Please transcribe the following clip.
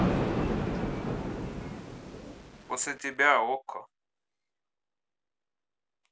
после тебя okko